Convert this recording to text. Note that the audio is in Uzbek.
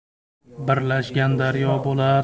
birlashgan daryo bo'lar